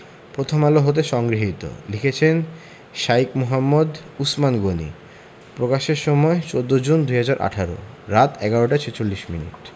প্রথমআলো হতে সংগৃহীত লিখেছেন শাঈখ মুহাম্মদ উছমান গনী প্রকাশের সময় ১৪ জুন ২০১৮ রাত ১১টা ৪৬ মিনিট